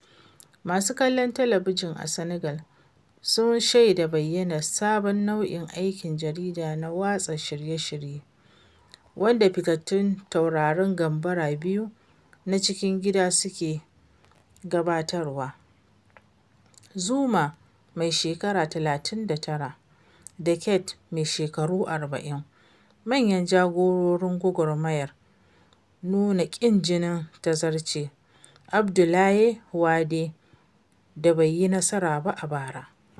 Masu kallon talabijin a Senegal sun shaida bayyanar sabon nau’in aikin jarida na watsa shirye-shirye, wanda fitattun taurarin gambara biyu na cikin gida suke gabatarwa, Xuman (mai shekaru 39) da Keyti (mai shekaru 40), manyan jagororin gwagwarmayar nuna ƙin jinin tazarcen Abdoulaye Wade da bai yi nasara ba a bara.